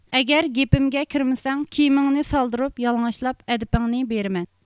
ئەگەر گېپىمگە كىرمىسەڭ كىيىمىڭنى سالدۇرۇپ يالىڭاچلاپ ئەدىپىڭنى بېرىمەن